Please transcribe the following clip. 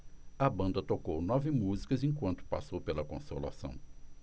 a banda tocou nove músicas enquanto passou pela consolação